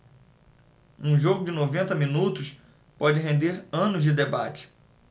um jogo de noventa minutos pode render anos de debate